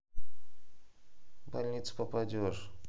в больницу попадешь